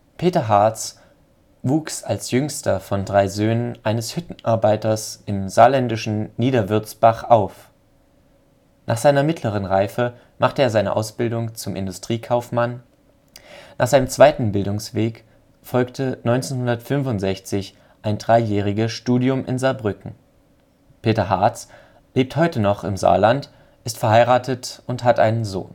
Peter Hartz wuchs als jüngster von drei Söhnen eines Hüttenarbeiters im saarländischen Niederwürzbach auf. Nach seiner mittleren Reife machte er eine Ausbildung zum Industriekaufmann. Nach seinem Zweiten Bildungsweg folgte 1965 ein dreijähriges Studium in Saarbrücken. Peter Hartz lebt heute noch im Saarland, ist verheiratet und hat einen Sohn